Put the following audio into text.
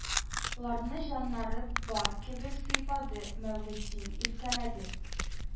Ларны җаннары бар кебек сыйпады мәүлетдин, иркәләде